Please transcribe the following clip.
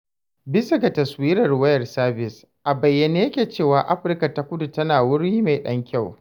Bisa ga taswirar wayar sabis, a bayyane yake cewa, Afirka ta Kudu tana wuri mai ɗan kyau.